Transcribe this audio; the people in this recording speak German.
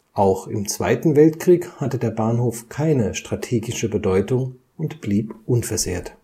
Auch im Zweiten Weltkrieg hatte der Bahnhof keine strategische Bedeutung und blieb. unversehrt